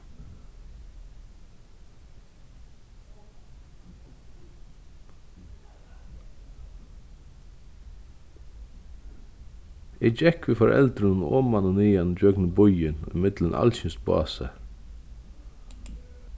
eg gekk við foreldrunum oman og niðan ígjøgnum býin ímillum alskyns básar